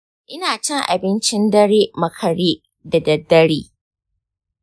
ina cin abincin dare makare da daddare.